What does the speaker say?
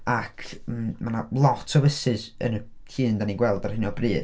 Ac m- mae 'na lot o fysys yn y llun dan ni'n gweld ar hyn o bryd.